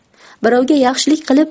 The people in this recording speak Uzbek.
birovga yaxshilik qilib